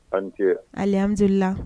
A ni ce . Alihamidulila